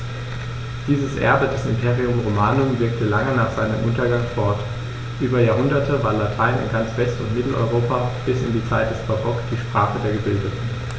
Dieses Erbe des Imperium Romanum wirkte lange nach seinem Untergang fort: Über Jahrhunderte war Latein in ganz West- und Mitteleuropa bis in die Zeit des Barock die Sprache der Gebildeten.